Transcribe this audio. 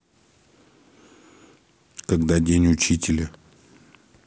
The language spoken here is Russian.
когда день учителя